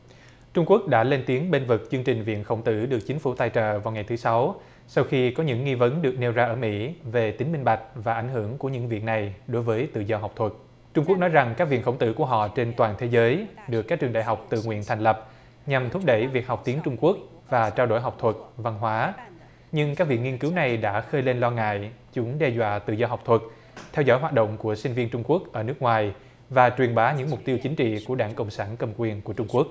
trung quốc đã lên tiếng bênh vực chương trình viện khổng tử được chính phủ tài trợ vào ngày thứ sáu sau khi có những nghi vấn được nêu ra ở mỹ về tính minh bạch và ảnh hưởng của những việc này đối với tự do học thuật trung quốc nói rằng các viện khổng tử của họ trên toàn thế giới được các trường đại học tự nguyện thành lập nhằm thúc đẩy việc học tiếng trung quốc và trao đổi học thuật văn hóa nhưng các viện nghiên cứu này đã khơi lên lo ngại chúng đe dọa tự do học thuật theo dõi hoạt động của sinh viên trung quốc ở nước ngoài và truyền bá những mục tiêu chính trị của đảng cộng sản cầm quyền của trung quốc